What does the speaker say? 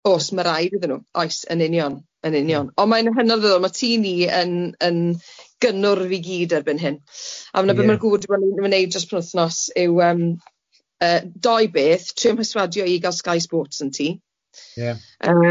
O's ma' raid iddyn n'w oes yn union yn union ond mae'n hynod o ddiddorol ma' tŷ ni yn yn gynnwrf i gyd erbyn hyn a 'na be ma'r gŵr 'di bod yn neud dros y penwthnos yw yym yy dou beth trio mherswadio i ga'l Sky Sports yn tŷ... Ie... yym a fi fel 'hmm.'...